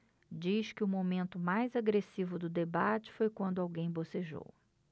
diz que o momento mais agressivo do debate foi quando alguém bocejou